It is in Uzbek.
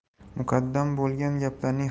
muqaddam bo'lgan gaplarning